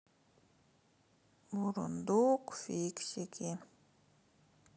бурундук фиксики